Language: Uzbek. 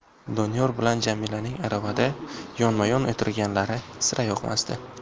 doniyor bilan jamilaning aravada yonma yon o'tirganlari sira yoqmasdi